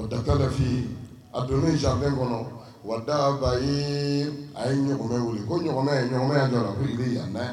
A donnen jardin kɔnɔ, a ye Ɲɔgɔmɛ wele . Ko Ɲɔgɔmɛ ,Ɲɔgɔmɛ ya laminɛ